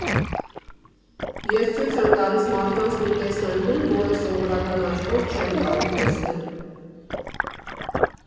Ես ցույց եմ տալիս մարդկանց մի տեսանկյուն, որը սովորական աչքով չեն կարող տեսնել։